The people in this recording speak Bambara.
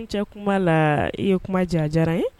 I ni ce kuma la i ye kuma diyanye a diyara ye